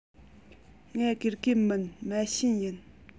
ང དགེ རྒན མིན མ བྱན ཡིན